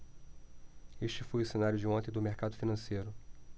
este foi o cenário de ontem do mercado financeiro